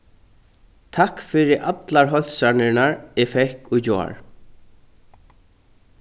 takk fyri allar heilsanirnar eg fekk í gjár